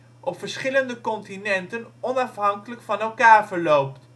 verschillende continenten onafhankelijk van elkaar verloopt